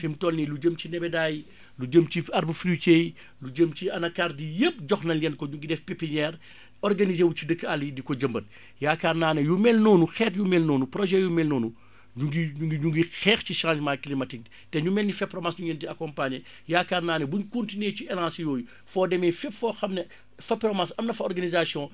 fi mu toll nii lu jëm ci nebedaay lu jëm ci arbre fruitier yi lu jëm ci anacarde yi yépp jox nañ leen ko ñu ngi def pépinière organiser wu ci dëkku àll yi di ko jëmbat yaakaar naa ne yu mel noonu xeet yu el noonu projet yu mel noonu ñu ngi ñu ngi xeex si changement climatique te bi te ñu mel ni FEPROMAS ñu ngi leen di accompagner yaakaar naa ne bu ñu continuer ci élancer yooyu foo demee fépp foo xam ne FEPROMAS am na fa organisation